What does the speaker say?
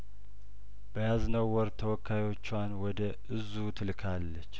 በያዝነው ወር ተወካዮቿን ወደ እዙ ትልካለች